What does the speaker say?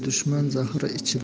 dushman zahri ichida